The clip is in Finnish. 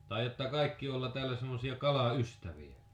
taidatte kaikki olla täällä semmoisia kalan ystäviä